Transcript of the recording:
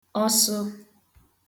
ọsụ